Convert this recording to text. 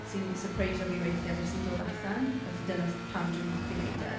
Sy'n sypreisio fi weithiau beth sy'n dod allan. Felly dyna pam dwi'n hoffi wneud e.